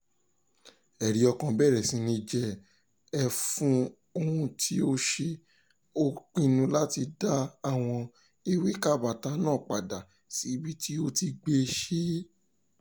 Ẹ̀rí-ọkàn bẹ̀rẹ̀ sí ní jẹ́ ẹ fún ohun tí ó ṣe, ó pinnu láti dá àwọn ewé kátabá náà padà sí ibi tí ó ti gbé ṣẹ́ ẹ.